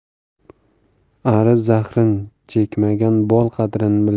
ari zahrin chekmagan bol qadrini bilmas